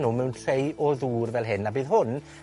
nw mewn trei o ddŵr fel hyn, a bydd hwn